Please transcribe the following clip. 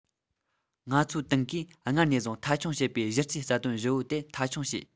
ང ཚོའི ཏང གིས སྔར ནས བཟུང མཐའ འཁྱོངས བྱེད པའི གཞི རྩའི རྩ དོན བཞི པོ དེ མཐའ འཁྱོངས བྱས